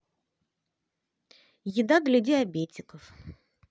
еда для диабетиков